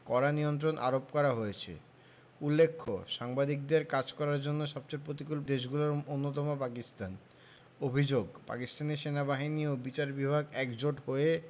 কড়া নিয়ন্ত্রণ আরোপ করা হয়েছে উল্লেখ্য সাংবাদিকদের কাজ করার জন্য সবচেয়ে প্রতিকূল দেশগুলোর অন্যতম পাকিস্তান অভিযোগ পাকিস্তানি সেনাবাহিনী ও বিচার বিভাগ একজোট হয়ে